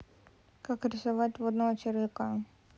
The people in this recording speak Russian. как рисовать водного червяка